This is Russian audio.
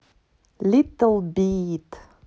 little bit